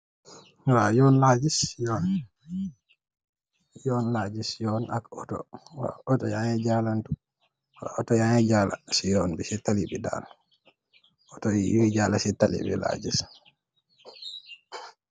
Waaw, Yoon la gis, Yoon. Otto yaangee jaalantu. Otto yaangee jaala si tali bi daal. Otto yuy jaalantu laa gis.